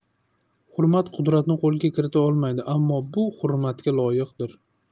hurmat qudratni qo'lga kirita olmaydi ammo bu hurmatga loyiqdir